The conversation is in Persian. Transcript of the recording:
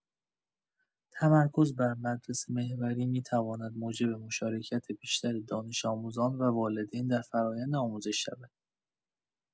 تمرکز بر مدرسه‌محوری می‌تواند موجب مشارکت بیشتر دانش‌آموزان و والدین در فرآیند آموزش شود.